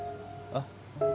ơ